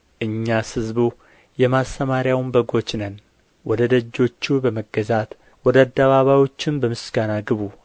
እኛስ ሕዝቡ የማሰማርያውም በጎች ነን ወደ ደጆቹ በመገዛት ወደ አደባባዮቹም በምስጋና ግቡ